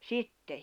sitten